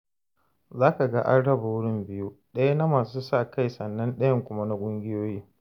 Za ka ga an raba wurin biyu: ɗaya na masu sa-kai sannan ɗanyan kuma na ƙungiyoyi.